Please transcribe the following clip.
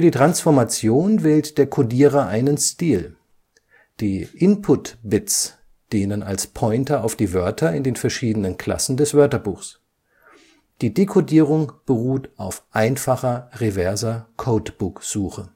Transformation wählt der Kodierer einen Stil. Die Input-Bits dienen als Pointer auf die Wörter in den verschiedenen Klassen des Wörterbuchs. Die Dekodierung beruht auf einfacher reverser Codebook-Suche